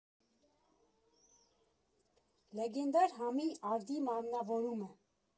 Լեգենդար համի արդի մարմնավորումը։